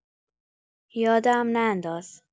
یادم ننداز